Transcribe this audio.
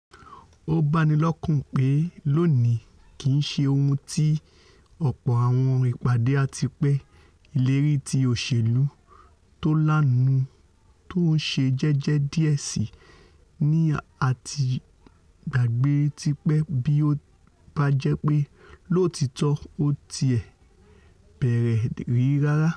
Ó banilọ́kàn pé lóòní, kìí ṣe ohùn ti ọ̀pọ̀ àwọn ìpàdé àtipe ìlérí ti òṣèlú ''tó láàánú, tó ńṣe jẹ́jẹ́ díẹ̀ síi'' ni a ti gbàgbé tipẹ́ bí ó bájẹ̀pé, lóòtítọ́, ó tiẹ̀ bẹ̀rẹ̀ rí rárá.